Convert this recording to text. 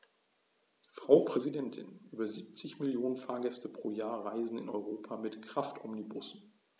Frau Präsidentin, über 70 Millionen Fahrgäste pro Jahr reisen in Europa mit Kraftomnibussen.